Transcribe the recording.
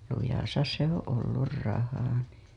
lujassa se on ollut raha niin